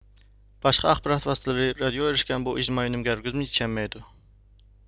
باشقا ئاخبارات ۋاسىتىلىرى رادىئو ئېرىشكەن بۇ ئىجتىمائىي ئۈنۈمگە ھەرگىزمۇ يېتەلمەيدۇ